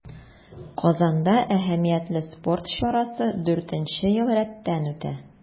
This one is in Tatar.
Казанда әһәмиятле спорт чарасы дүртенче ел рәттән үтә.